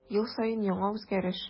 Ел саен яңа үзгәреш.